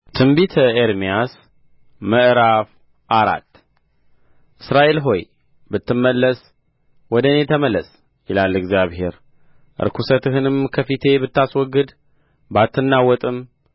ትንቢተ ኤርምያስ ምዕራፍ አራት እስራኤል ሆይ ብትመለስ ወደ እኔ ተመለስ ይላል እግዚአብሔር ርኩሰትህንም ከፊቴ ብታስወግድ ባትናወጥም